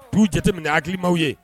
'u jateminɛ hakilikilimaw ye